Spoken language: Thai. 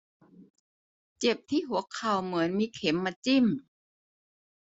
เจ็บที่หัวเข่าเหมือนมีเข็มมาจิ้ม